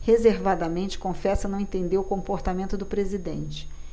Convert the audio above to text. reservadamente confessa não entender o comportamento do presidente